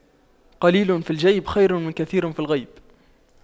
قليل في الجيب خير من كثير في الغيب